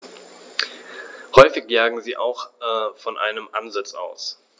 Häufig jagen sie auch von einem Ansitz aus.